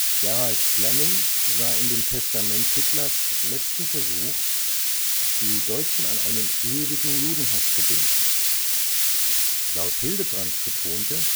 Gerald Fleming sah in dem Testament Hitlers letzten Versuch, die Deutschen an einen ewigen Judenhass zu binden. Klaus Hildebrand betonte